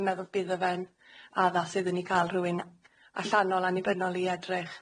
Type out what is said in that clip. Fi'n meddwl byddo fe'n addas iddon ni ca'l rhywun allanol annibynnol i edrych.